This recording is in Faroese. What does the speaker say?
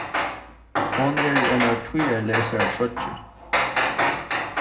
hon er í einari tíðarleysari troyggju